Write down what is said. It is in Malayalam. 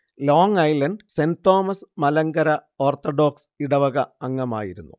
long Island Saint Thomas Malankara orthodox ഇടവക അംഗമായിരുന്നു